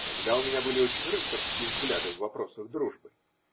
тогда у меня были очень рыцарские взгляды в вопросах дружбы.